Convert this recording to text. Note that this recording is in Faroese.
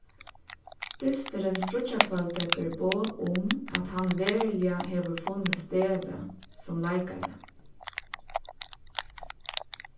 dysturin fríggjakvøldið ber boð um at hann veruliga hevur funnið stevið sum leikari